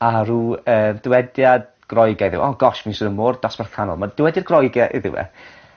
a rw yy dywediad Groegaidd yw e. O gosh fi'n swnio mor dosbarth canol ma' dywediad Groegaidd yw e